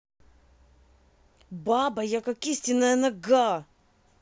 баба я как истиная нога